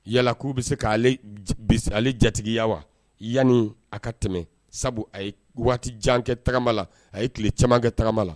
Yalala k'u bɛ se k ka ale jatigiya wa yanani a ka tɛmɛ sabu a ye waati jan kɛ tagama la a ye tile caman kɛ tagama la